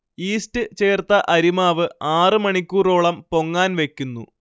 yeast ചേർത്ത അരിമാവ് ആറ് മണിക്കൂറോളം പൊങ്ങാൻ വെക്കുന്നു